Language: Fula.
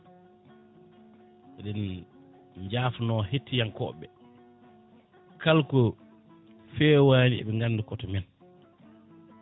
eɗen jafno hettiyankoɓe kala ko fewani ɓe ganda koto men